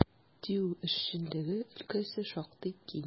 ТИҮ эшчәнлеге өлкәсе шактый киң.